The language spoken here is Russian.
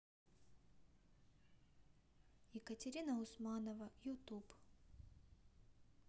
екатерина усманова ютуб